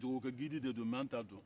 jago kɛ sirajirala de don mɛ an ta dɔn